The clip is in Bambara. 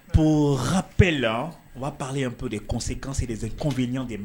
pour rappel on va prler un peu de conséquences et des inconvénients